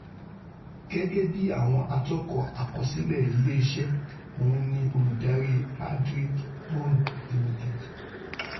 Gẹ́gẹ́bí àwọn àtòkọ àkọsìlẹ́ ilé iṣẹ́, òun ni olùdarí Adriftmorn Limited.